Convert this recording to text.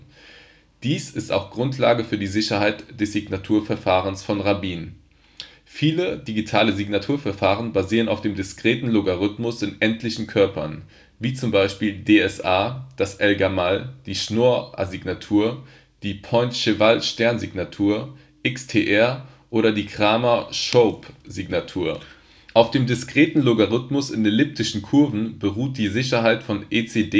Dies ist auch Grundlage für die Sicherheit des Signaturverfahrens von Rabin. Viele digitale Signaturverfahren basieren auf dem diskreten Logarithmus in endlichen Körpern, wie z. B. DSA, das El-Gamal, die Schnorr-Signatur, die Pointcheval-Stern-Signatur, XTR oder die Cramer-Shoup-Signatur. Auf dem diskreten Logarithmus in elliptischen Kurven beruht die Sicherheit von